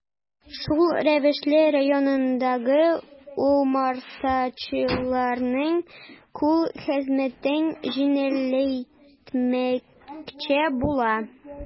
Шул рәвешле районындагы умартачыларның кул хезмәтен җиңеләйтмәкче була.